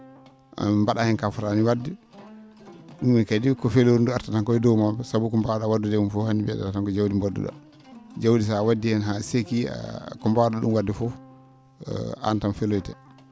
mba?aa heen ko a fotaani wa?de ?um ne kadi ko feloore ndee arta tan koye dow maa sabu ko mbaaw?aa waddude mum fof mbiyete?aa tan ko jawdi mbaddu?aa jawdi so a waddii heen haa seekii a ko mbaw?aa ?um wa?de fof aan tan feloytee